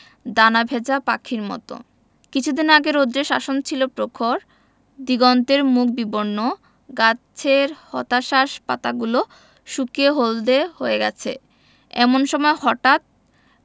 ডানা ভেজা পাখির মত কিছুদিন আগে রৌদ্রের শাসন ছিল প্রখর দিগন্তের মুখ বিবর্ণ গাছের হতাশ্বাস পাতাগুলো শুকিয়ে হলদে হয়ে গেছে এমন সময় হঠাৎ